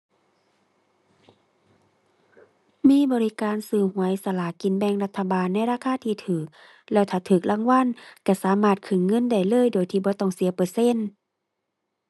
มีบริการซื้อหวยสลากกินแบ่งรัฐบาลในราคาที่ถูก แล้วถ้าถูกรางวัลถูกสามารถขึ้นเงินได้เลย โดยที่บ่ต้องเสียเปอร์เซ็นต์